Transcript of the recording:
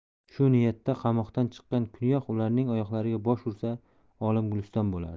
shu niyatda qamoqdan chiqqan kuniyoq ularning oyoqlariga bosh ursa olam guliston bo'lardi